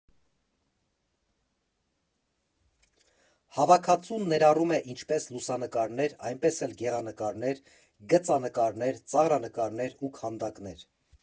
Հավաքածուն ներառում է ինչպես լուսանկարներ, այնպես էլ գեղանկարներ, գծանկարներ, ծաղրանկարներ ու քանդակներ։